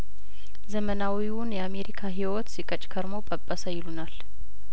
ዘመናዊውን የአሜሪካ ሂዎት ሲቀጭ ከርሞ ጰጰሰ ይሉናል